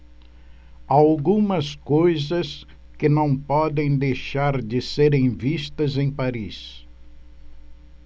há algumas coisas que não podem deixar de serem vistas em paris